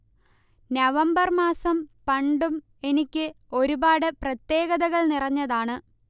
November മാസം പണ്ടും എനിക്ക് ഒരുപാട് പ്രത്യേകതകൾ നിറഞ്ഞതാണ്